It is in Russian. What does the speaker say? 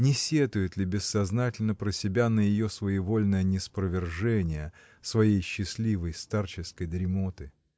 Не сетует ли бессознательно про себя на ее своевольное ниспровержение своей счастливой, старческой дремоты?